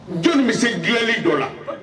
Jo bɛ se gli dɔ la